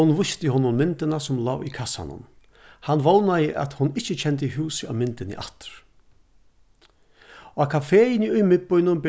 hon vísti honum myndina sum lá í kassanum hann vónaði at hon ikki kendi húsið á myndini aftur á kafeini í miðbýnum